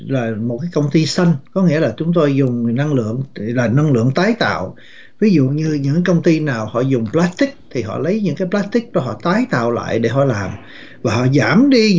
là một công ty xanh có nghĩa là chúng tôi dùng năng lượng để là năng lượng tái tạo ví dụ như những công ty nào họ dùng p lát tích thì họ lấy những cái p lát tích họ tái tạo lại để hỏi làm giảm đi những